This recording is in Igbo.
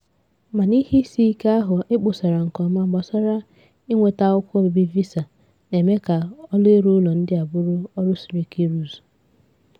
Mana ihe isi ike ahụ ekposara nkeọma gbasara ịnweta akwụkwọ obibi visa na-eme ka ọrụ ịrụ ụlọ ndị a bụrụ ọrụ siri ike ịrụzu.